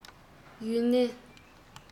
ཡུན ནན